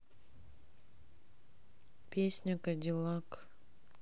песня кадиллак